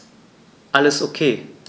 Alles OK.